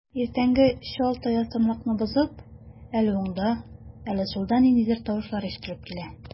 Иртәнге чалт аяз тынлыкны бозып, әле уңда, әле сулда ниндидер тавышлар ишетелеп китә.